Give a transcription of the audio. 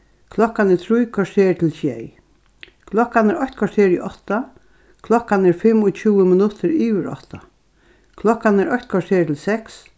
klokkan er trý korter til sjey klokkan er eitt korter í átta klokkan er fimmogtjúgu minuttir yvir átta klokkan er eitt korter til seks